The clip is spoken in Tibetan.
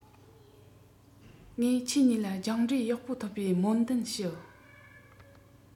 ངས ཁྱེད གཉིས ལ སྦྱངས འབྲས ཡག པོ ཐོབ པའི སྨོན འདུན ཞུ